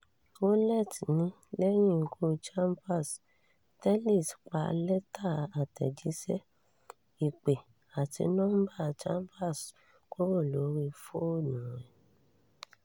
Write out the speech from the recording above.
Rowlett ní lẹ́yìn ikú Chambers, Tellis pa lẹ́tà àtẹ̀jíṣẹ́, ìpè, àti nọ́ḿbà Chambers kúrò lóri fóònùu ẹ̀.